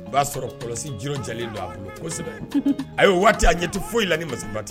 B'a sɔrɔ kɔlɔsi juru jalen don a bolo kosɛbɛ ayi o waati a ɲɛ tɛ foyi la ni masaba t